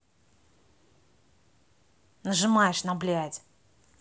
нажимаешь на блядь